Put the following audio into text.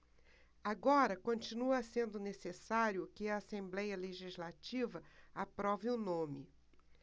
agora continua sendo necessário que a assembléia legislativa aprove o nome